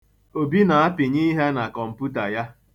Obi na-apịnye ihe na kọmputa ya.